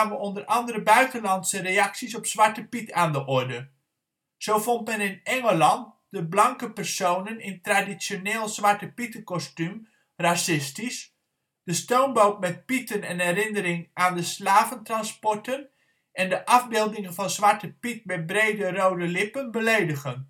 onder andere buitenlandse reacties op Zwarte Piet aan de orde. Zo vond men in Engeland de blanke personen in traditioneel Zwarte Pietenkostuum racistisch, de stoomboot met Pieten een herinnering aan de slaventransporten en de afbeeldingen van Zwarte Piet met brede rode lippen beledigend